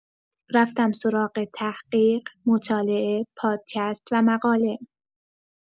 رفتم سراغ تحقیق، مطالعه، پادکست و مقاله.